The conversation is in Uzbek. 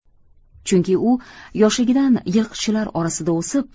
chunki uyoshligidan yilqichilar orasida o'sib